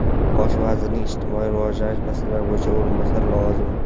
bosh vazirning ijtimoiy rivojlantirish masalalari bo'yicha o'rinbosari lavozimi